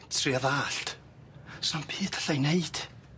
Tria ddallt. Sa'm byd allai neud.